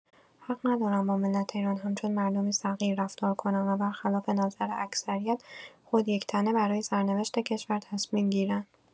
حق ندارند با ملت ایران همچون مردمی صغیر رفتار کنند و برخلاف نظر اکثریت، خود یک‌تنه برای سرنوشت کشور تصمیم گیرند.